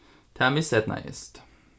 tað miseydnaðist